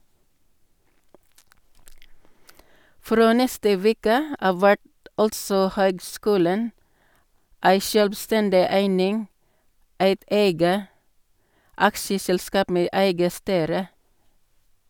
Frå neste veke av vert altså høgskulen ei sjølvstendig eining, eit eige aksjeselskap med eige styre.